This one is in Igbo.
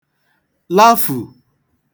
lafù